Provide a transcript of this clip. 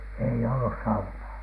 ei ollut saunaa